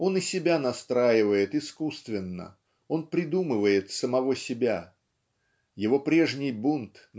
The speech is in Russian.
Он и себя настраивает искусственно, он придумывает самого себя. Его прежний бунт